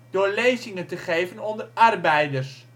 door lezingen te geven onder arbeiders